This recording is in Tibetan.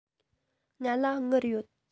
ང ལ དངུལ ཡོད